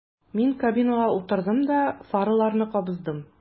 Мин кабинага утырдым да фараларны кабыздым.